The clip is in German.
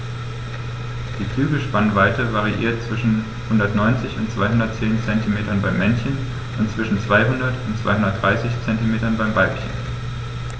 Die Flügelspannweite variiert zwischen 190 und 210 cm beim Männchen und zwischen 200 und 230 cm beim Weibchen.